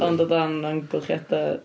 Ond o dan amgylchiadau.